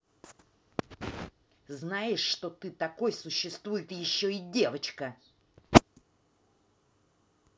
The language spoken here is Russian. знаешь что ты такой существует еще и девочка